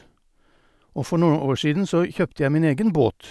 Og for noen år siden så kjøpte jeg min egen båt.